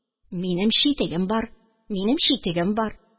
Минем читегем бар, минем читегем бар